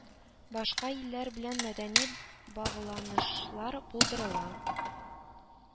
Башка илләр белән мәдәни багланышлар булдырыла